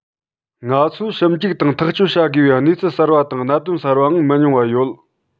ང ཚོས ཞིབ འཇུག དང ཐག གཅོད བྱ དགོས པའི གནས ཚུལ གསར པ དང གནད དོན གསར པའང མི ཉུང བ ཡོད